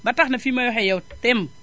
ba tax na fi may wax ak yow temb